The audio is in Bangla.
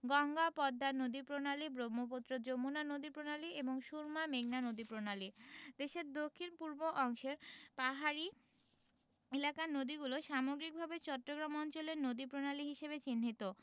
গঙ্গা পদ্মা নদীপ্রণালী ব্রহ্মপুত্র যমুনা নদীপ্রণালী ও সুরমা মেঘনা নদীপ্রণালী দেশের দক্ষিণ পূর্ব অংশের পাহাড়ী এলাকার নদীগুলো সামগ্রিকভাবে চট্টগ্রাম অঞ্চলের নদীপ্রণালী হিসেবে চিহ্নিত